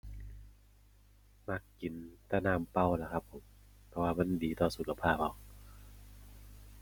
มักกินแต่น้ำเปล่าล่ะครับ เพราะว่ามันดีต่อสุขภาพเรา